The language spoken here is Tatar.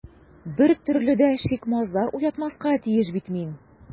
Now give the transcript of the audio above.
Бер төрле дә шик-мазар уятмаска тиеш бит мин...